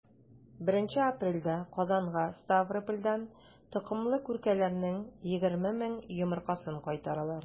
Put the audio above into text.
1 апрельдә казанга ставропольдән токымлы күркәләрнең 20 мең йомыркасын кайтаралар.